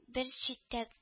Бер читтә